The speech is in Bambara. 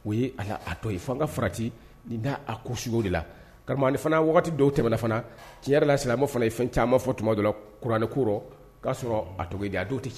O ye a y'a a to ye f'anga farati ni naa a ko sugu de la karamɔ hali fana wagati dɔw tɛmɛna fana tiɲɛ yɛrɛ la silamɛw fana ye fɛn caaman fɔ tumadɔ la kuranɛ ko ro k'a sɔrɔ a togo ye di a dɔw te t